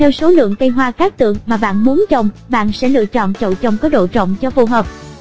tuỳ theo số lượng cây hoa cát tường mà bạn muốn trồng bạn sẽ lựa chọn chậu trồng có độ rộng cho phù hợp